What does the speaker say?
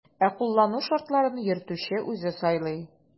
Ә кулланылу шартларын йөртүче үзе сайлый.